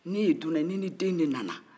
n'e ye dunan ye n'i ni den de nana